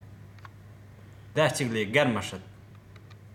ཟླ ཅིག ལས བརྒལ མི སྲིད